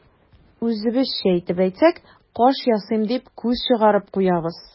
Үзебезчә итеп әйтсәк, каш ясыйм дип, күз чыгарып куябыз.